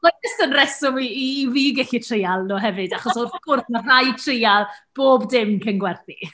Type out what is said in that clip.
Mae jyst yn reswm i i fi gallu treial nhw hefyd, achos wrth gwrs ma' rhaid treial bob dim cyn gwerthu.